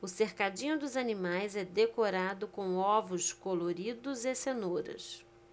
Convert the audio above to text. o cercadinho dos animais é decorado com ovos coloridos e cenouras